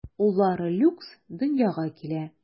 Уллары Люкс дөньяга килә.